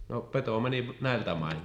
no peto meni näiltä main